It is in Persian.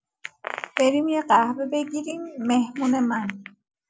بریم یه قهوه بگیریم، مهمون من